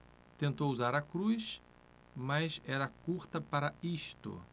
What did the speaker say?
tentou usar a cruz mas era curta para isto